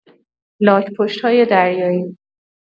لاک‌پشت‌های دریایی